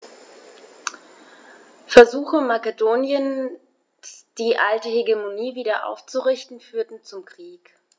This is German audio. Versuche Makedoniens, die alte Hegemonie wieder aufzurichten, führten zum Krieg.